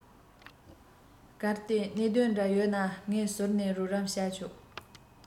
གལ ཏེ གནད དོན འདྲ ཡོད ན ངས ཟུར ནས རོགས རམ བྱས ཆོག